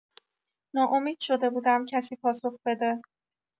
ناامید شده بودم کسی پاسخ بده